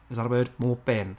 Is that a word? Mopin'.